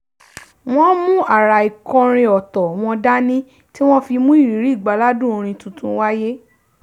Wọ́n mú àrà ìkọrin ọ̀tọ̀ wọn dání tí wọ́n fi mú ìrírí ìgbáládùn orin tuntun wáyé.